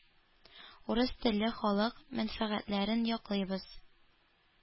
«урыс телле халык» мәнфәгатьләрен яклыйбыз,